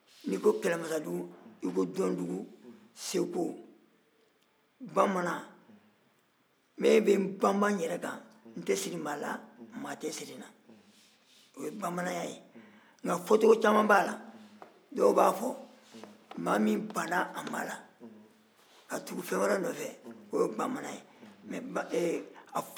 bamanan ne bɛ n bama n yɛrɛ kan n tɛ siri maa na maa tɛ siri n na o ye bamananya ye nka fɔcogo caman b'a la dɔw b'a fɔ maa min banna a ma na o ye bamanan ye a fɔko ɲuman ye mun ye